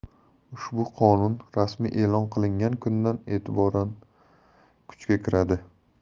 ushbu qonun rasmiy e'lon qilingan kundan e'tiboran kuchga kiradi